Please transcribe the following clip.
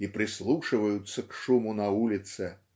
и прислушиваются к шуму на улице